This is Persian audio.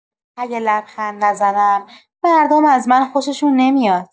اگه لبخند نزنم، مردم از من خوششون نمیاد.